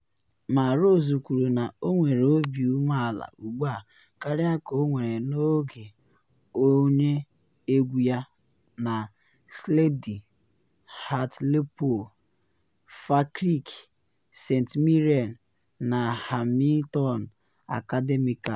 Ma Ross kwuru na ọ nwere obi ume ala ugbu a karia ka ọ nwere n’oge onye egwu ya na Clyde, Hartlepool, Falkirk, St Mirren na Hamilton Academical.